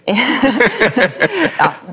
ja.